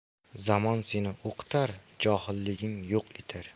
zamon seni o'qitar johilliging yo'q etar